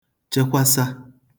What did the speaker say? chekwasa